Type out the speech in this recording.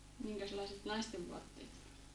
minkäslaiset naisten vaatteet oli